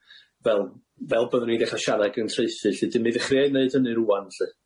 fel fel byddwn i'n dechra siarad ag yn traethu lly. 'Dyn mi ddechreua' i neud hynny rŵan lly.